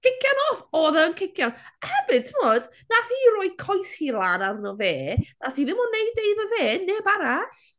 Cician off! Oedd o yn cician. A hefyd timod, wnaeth hi roi coes hi lan arno fe. Wnaeth hi ddim ond wneud e iddo fe, neb arall.